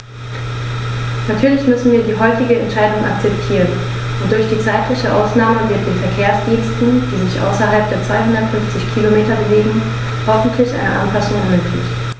Natürlich müssen wir die heutige Entscheidung akzeptieren, und durch die zeitliche Ausnahme wird den Verkehrsdiensten, die sich außerhalb der 250 Kilometer bewegen, hoffentlich eine Anpassung ermöglicht.